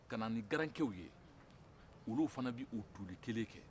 kana nin garankɛw ye olu fɛne bɛ o tuuli kelen kɛ